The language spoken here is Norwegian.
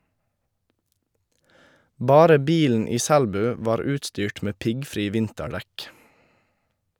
Bare bilen i Selbu var utstyrt med piggfri vinterdekk.